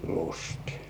lysti